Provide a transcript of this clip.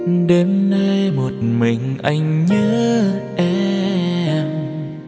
đêm nay một mình anh nhớ em